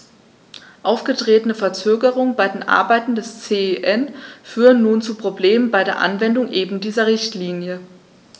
Aufgetretene Verzögerungen bei den Arbeiten des CEN führen nun zu Problemen bei der Anwendung eben dieser Richtlinie.